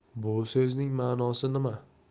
bu so'zning ma'nosi nima